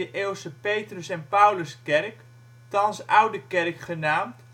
eeuwse Petrus en Pauluskerk, thans Oude Kerk genaamd